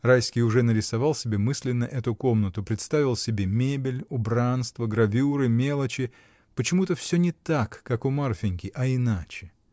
Райский уже нарисовал себе мысленно эту комнату: представил себе мебель, убранство, гравюры, мелочи, почему-то всё не так, как у Марфиньки, а иначе.